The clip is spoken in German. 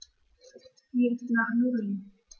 Mir ist nach Nudeln.